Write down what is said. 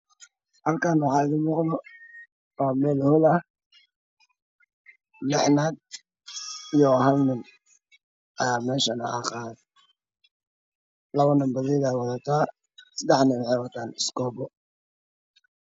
Halkan waa mel hool ah lex naag io halnin aa meshan haqaya labona badiil eey watata sedaxna iskoobo eey watata